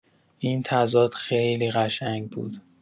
این تضاد خیلی قشنگ بود.